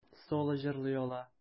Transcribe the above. Соло җырлый ала.